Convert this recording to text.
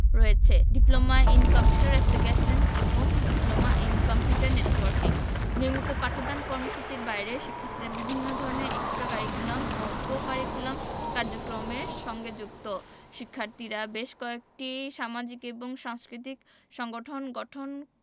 রয়েছে diploma in computer application এবং diploma in computer networking নিয়মিত পাঠদান কর্মসূচির বাইরে শিক্ষার্থীরা বিভিন্ন ধরনের এক্সটা কারিকুলাম এবং কো কারিকুলাম কার্যক্রমের সঙ্গে যুক্ত শিক্ষার্থীরা বেশ কয়েকটি সামাজিক এবং সাংস্কৃতিক সংগঠন গঠন